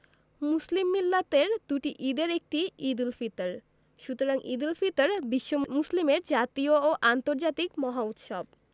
মুসলিম মিল্লাতের দুটি ঈদের একটি ঈদুল ফিতর সুতরাং ঈদুল ফিতর বিশ্ব মুসলিমের জাতীয় ও আন্তর্জাতিক মহা উৎসব